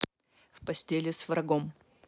в постели с врагом